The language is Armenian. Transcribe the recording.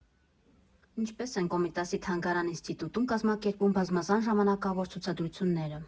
Ինչպես են Կոմիտասի թանգարան֊ինստիտուտում կազմակերպում բազմազան ժամանակավոր ցուցադրությունները։